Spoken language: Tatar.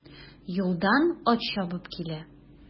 Юлдан ат чабып килә.